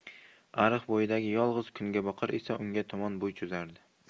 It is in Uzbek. ariq bo'yidagi yolg'iz kungaboqar esa unga tomon bo'y cho'zardi